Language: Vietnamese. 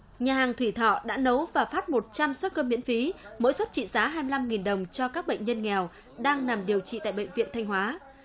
nhà hàng thủy thọ đã nấu và phát một trăm suất cơm miễn phí mỗi suất trị giá hai mươi lăm nghìn đồng cho các bệnh nhân nghèo đang nằm điều trị tại bệnh viện thanh hóa